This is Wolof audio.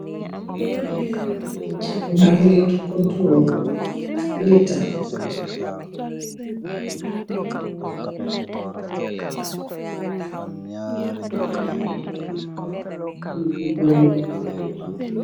Janha bagi leta kondoru.